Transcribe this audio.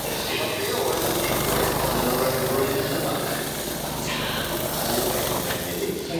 Wel be' oedd yn digwydd oedden nw roi'r frwynen yn fan 'ne a tân ar un ben pen iddi. Ie.